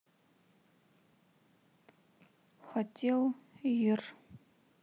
хотел йир